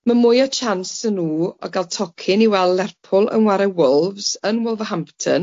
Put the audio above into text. ma' mwy o chance 'da n'w o ga'l tocyn i weld Lerpwl yn ware Wolves yn Wolverhampton